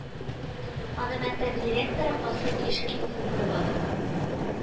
Аны мәктәп директоры касыйм ишкилдин күреп ала